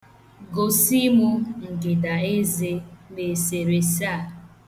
Gosi mu ngịda eze n'esereese a.